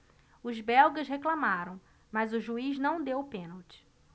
os belgas reclamaram mas o juiz não deu o pênalti